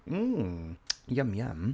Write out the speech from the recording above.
Mm, iym iym!